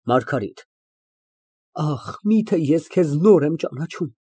ՄԱՐԳԱՐԻՏ ֊ Ախ, միթե ես քեզ նոր եմ ճանաչում։